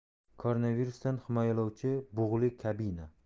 koronavirusdan himoyalovchi bug'li kabina